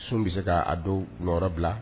Sun bɛ se ka'a don nɔ bila